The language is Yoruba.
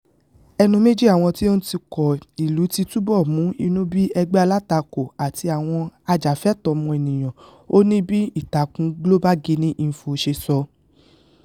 Ẹnu méjì àwọn tí ó ń tukọ̀ ìlú ti túbọ̀ mú inú bí ẹgbẹ́ alátakò àti àwọn àjàfẹ́tọ̀ọ́ ọmọnìyàn, ó ní bí ìtakùn globalguinee.info ṣe sọ: